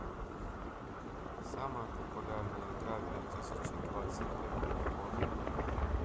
самая популярная игра две тысячи двадцать первого года